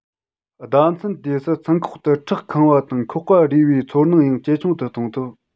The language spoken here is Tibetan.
ཟླ མཚན དུས སུ མཚང ཁོག ཏུ ཁྲག ཁེངས པ དང ཁོག པ རས པའི ཚོར སྣང ཡང ཇེ ཆུང དུ གཏོང ཐུབ